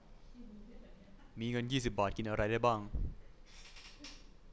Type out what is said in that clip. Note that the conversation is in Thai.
มีเงินยี่สิบบาทกินอะไรได้บ้าง